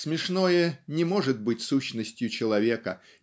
Смешное не может быть сущностью человека